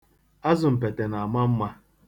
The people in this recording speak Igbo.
Azụ mpete na-ama mma.